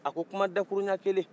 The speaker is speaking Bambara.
a ko kuma dakuru ɲɛkelen